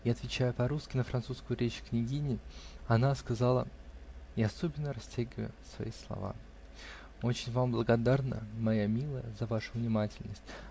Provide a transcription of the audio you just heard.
и, отвечая по-русски на французскую речь княгини, она сказала, особенно растягивая свои слова: -- Очень вам благодарна, моя милая, за вашу внимательность